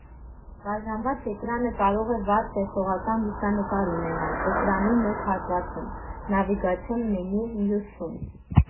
Բաժանված էկրանը կարող է վառ տեսողական լուսանկար ունենալ էկրանի մեկ հատվածում, նավիգացիոն մենյու՝ մյուսում։